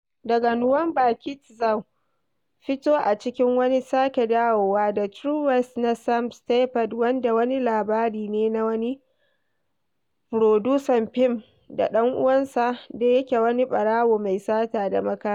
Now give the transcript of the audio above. Daga Nuwamba Kit zau fito a cikin wani sake dawowa da True West na Sam Shepard wanda wani labari ne na wani furodusan fim da ɗan uwansa, da yake wani ɓarawo mai sata da makami.